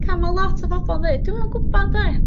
Ca- ma' lot o bobol yn ddeu dwi'm yn gwbo 'de?